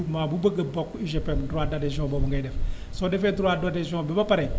groupement bu bëgg a bokk UGPM droit d' adhesion boobu ngay def soo defee droit d' adhesion bi ba pre